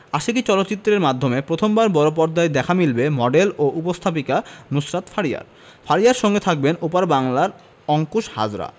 আশিকী চলচ্চিত্রের মাধ্যমে প্রথমবার বড়পর্দায় দেখা মিলবে মডেল ও উপস্থাপিকা নুসরাত ফারিয়ার ফারিয়ার সঙ্গে থাকবেন ওপার বাংলার অংকুশ হাজরা